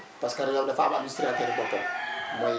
parce que Resop dafa am administrateur boppam mooy